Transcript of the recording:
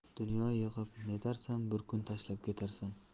dunyo yig'ib netarsan bir kun tashlab ketarsan